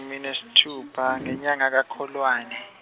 -imini yesitfupha ngenyanga yaKholwane.